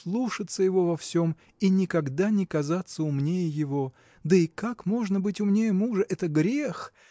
слушаться его во всем и никогда не казаться умнее его да и как можно быть умнее мужа? это грех!